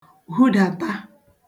hudàta